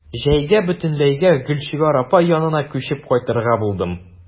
Җәйгә бөтенләйгә Гөлчибәр апа янына күчеп кайтырга булдым.